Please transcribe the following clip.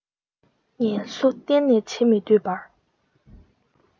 ངལ གསོ གཏན ནས བྱེད མི འདོད པར